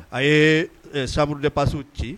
A ye chambre de passe ci.